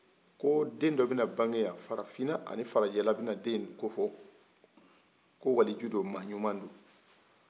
ko den dɔ bɛna bagen ya farafinna ani farajɛla bɛna den in kofɔ ko waliju lo maa ɲuman don